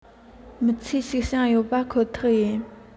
མི ཚེའི ཞིག བྱུང ཡོད པ ཁོ ཐག ཡིན